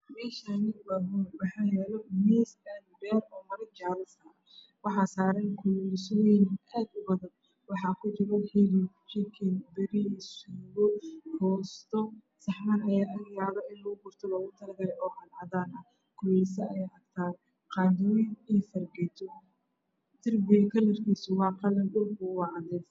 Meeshaan waa hool waxaa yaalo kuraasman iyo miisas waxaa saaran kululeysooyin waxaa kujiro hilib jikin bariis bur koosto. Saxan ayaa agyaalo oo inlugu gurto luugu talagalay oo cadcad. Qaadooyin iyo fargeeto ayaa yaalo dhulka waa cadaan darbiguna Waa qalin.